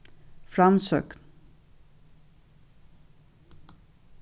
framsókn